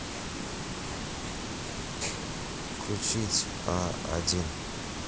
включить а один